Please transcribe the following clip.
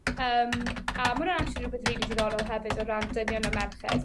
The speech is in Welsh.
Yym a ma' wnna actually rwbeth rili diddorol hefyd o ran dynion a merched